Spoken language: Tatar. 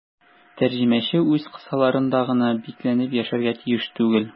Тәрҗемәче үз кысаларында гына бикләнеп яшәргә тиеш түгел.